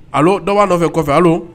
Allo dɔ b'a nɔfɛ kɔfɛ allo